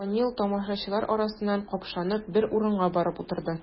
Данил, тамашачылар арасыннан капшанып, бер урынга барып утырды.